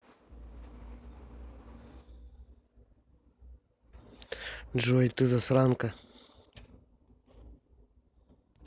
джой ты засранка